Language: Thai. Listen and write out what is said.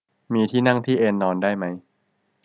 มีที่นั่งที่เอนนอนได้มั้ย